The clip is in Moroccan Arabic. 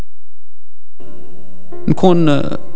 يكون